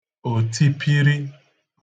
òtipiri